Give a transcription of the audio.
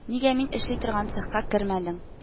Нигә мин эшли торган цехка кермәдең